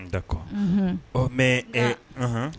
Da ko ɔ mɛ ɛh